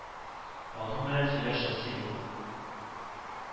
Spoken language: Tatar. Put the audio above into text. Аның белән сөйләшәсе юк